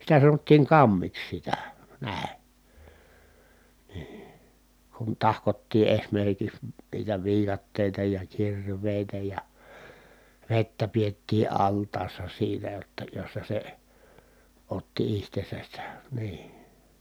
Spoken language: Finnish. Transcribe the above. sitä sanottiin kammeksi sitä näin niin kun tahkottiin esimerkiksi niitä viikatteita ja kirveitä ja vettä pidettiin altaassa siinä jotta jossa se otti itsensä se niin